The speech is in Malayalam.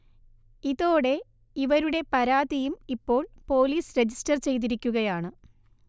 ഇതോടെ ഇവരുടെ പരാതിയും ഇപ്പോൾ പോലീസ് റജിസ്റ്റർ ചെയ്തിരിക്കുകയാണ്